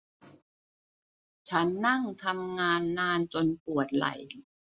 ฉันนั่งทำงานนานจนปวดไหล่